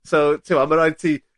So t'mo' ma' raid ti